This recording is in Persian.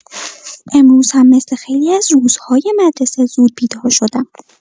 امروز هم مثل خیلی از روزهای مدرسه، زود بیدار شدم.